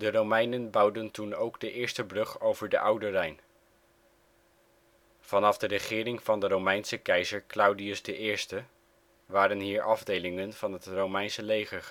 Romeinen bouwden toen ook de eerste brug over de Oude Rijn. Vanaf de regering van de Romeinse keizer Claudius I (41 - 54 na Chr.) waren hier afdelingen van het Romeinse leger